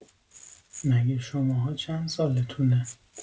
مگه شماها چند سالتونه؟